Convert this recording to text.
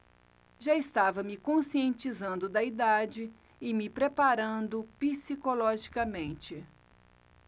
já estava me conscientizando da idade e me preparando psicologicamente